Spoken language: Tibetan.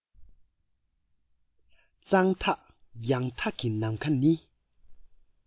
གཙང དག ཡང དག གི ནམ མཁའ ནི